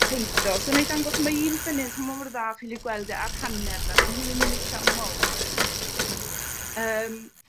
peinto so nâi dangos ma' un fyn 'yn simo mor dda ffili gweld e ar haner darlun. M'wn yn un eitha mowr. Yym.